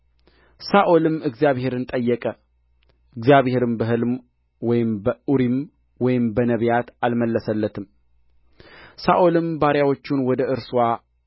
ሳኦልም እግዚአብሔርን ጠየቀ እግዚአብሔርም በሕልም ወይም በኡሪም ወይም በነቢያት አልመለሰለትም ሳኦልም ባሪያዎቹን ወደ እርስዋ